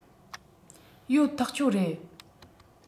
ཡོད ཐག ཆོད རེད